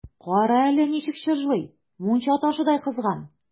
Кара әле, ничек чыжлый, мунча ташыдай кызган!